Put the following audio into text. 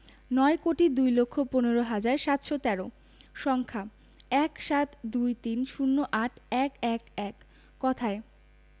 নয় কোটি দুই লক্ষ পনেরো হাজার সাতশো তেরো সংখ্যাঃ ১৭ ২৩ ০৮ ১১১ কথায়